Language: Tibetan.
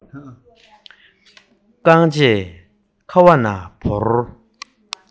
རྐང རྗེས ཁ བ ན བོར